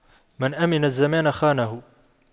من أَمِنَ الزمان خانه